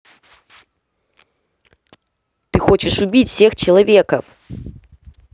ты хочешь убить всех человеков